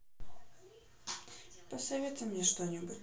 посоветуй мне что нибудь